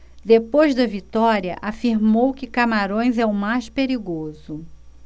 depois da vitória afirmou que camarões é o mais perigoso